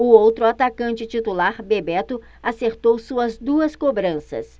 o outro atacante titular bebeto acertou suas duas cobranças